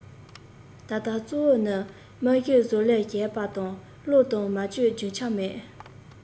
ད ལྟ གཙོ བོ ནི རྨང གཞིའི བཟོ ལས ཞན པ དང གློག དང མ བཅོས རྒྱུ ཆ མེད